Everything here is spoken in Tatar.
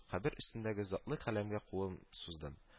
Кабер өстендәге затлы келәмгә кулын суздым